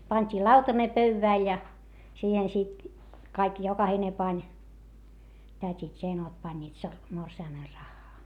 pantiin lautanen pöydälle ja siihen sitten kaikki jokainen pani tädit ja enot panivat - morsiamen rahaa